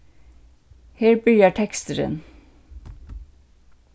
her byrjar teksturin